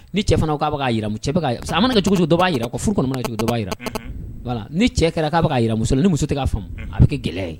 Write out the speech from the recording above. Ni cɛ fana ko k'a bɛ ka yira m cɛ bɛ ka y a mana kɛ cogo cogo dɔ b'a yira quoi furu kɔni mana jo dɔ b'a yira unhun voilà ni cɛ kɛra k'a bɛ ka yira muso la ni muso tɛ k'a faamu unhun a be kɛ gɛlɛya ye